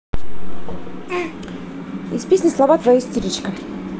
из песни слова твоя истеричка